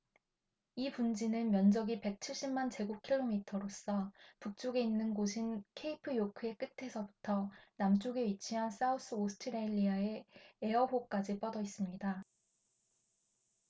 이 분지는 면적이 백 칠십 만 제곱 킬로미터로서 북쪽에 있는 곶인 케이프요크의 끝에서부터 남쪽에 위치한 사우스오스트레일리아의 에어 호까지 뻗어 있습니다